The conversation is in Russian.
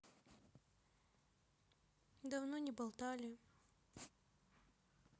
давно не болтали